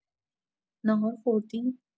ناهار خوردی؟